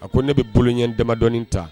A ko ne bɛ boloɲɛ damadɔnin ta